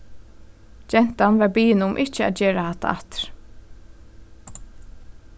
gentan var biðin um ikki at gera hatta aftur